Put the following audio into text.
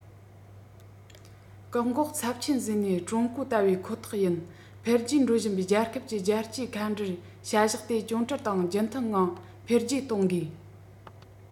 བཀག འགོག ཚབས ཆེན བཟོས ནས ཀྲུང གོ ལྟ བུའི ཁོ ཐག ཡིན འཕེལ རྒྱས འགྲོ བཞིན པའི རྒྱལ ཁབ ཀྱི རྒྱལ སྤྱིའི མཁའ འགྲུལ བྱ གཞག དེ སྐྱོན བྲལ དང རྒྱུན མཐུད ངང འཕེལ རྒྱས གཏོང དགོས